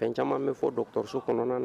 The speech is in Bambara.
Fɛn caman bɛ fɔ dɔn kaloso kɔnɔna na